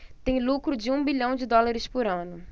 tem lucro de um bilhão de dólares por ano